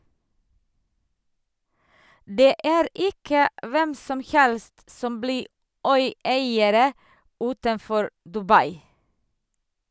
Det er ikke hvem som helst som blir øyeiere utenfor Dubai.